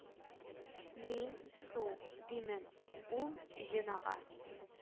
Мин, су, димен, ул җон ага